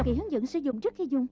hướng dẫn sử dụng trước khi dùng